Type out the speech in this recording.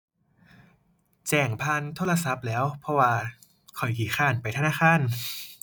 แจ้งผ่านโทรศัพท์แหล้ว เพราะว่าข้อยขี้คร้านไปธนาคาร